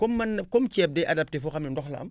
comme man comme ceeb day adapté foo xam ne ndox la am